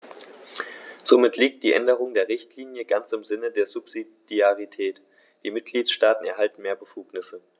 Somit liegt die Änderung der Richtlinie ganz im Sinne der Subsidiarität; die Mitgliedstaaten erhalten mehr Befugnisse.